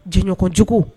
Diɲɛɲɔgɔn kojugu